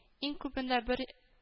Иң күбендә бер